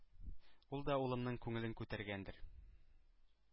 Ул да улымның күңелен күтәргәндер.